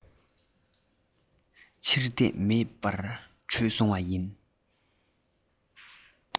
ཕྱིར ལྟས མེད པར བྲོས སོང བ ཡིན